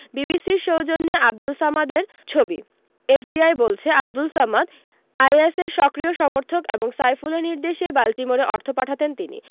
বিবিসির সৌজন্যে আবদুল সামাদের ছবি এফবিআই বলছে আবদুল সামাদ আইএসের সক্রিয় সমর্থক এবং সাইফুলের নির্দেশেই বাল্টিমোরে অর্থ পাঠাতেন তিনি